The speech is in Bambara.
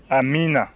amiina